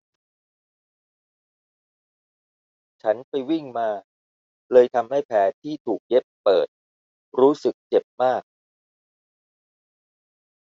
ฉันไปวิ่งมาเลยทำให้แผลที่ถูกเย็บเปิดรู้สึกเจ็บมาก